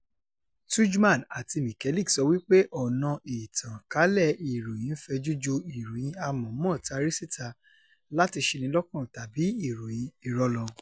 Tudjman àti Mikelic sọ wípé ọ̀nà ìtànkálẹ̀ ìròyìn fẹ̀jú ju ìròyìn àmọ̀ọ́mọ̀ tari síta láti ṣini lọ́kàn tàbí ìròyìn irọ́ lọ.